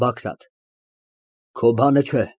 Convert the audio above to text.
ԲԱԳՐԱՏ ֊ Քո բանը չէ։